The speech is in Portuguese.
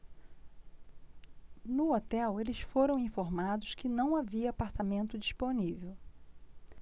no hotel eles foram informados que não havia apartamento disponível